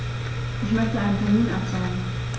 Ich möchte einen Termin absagen.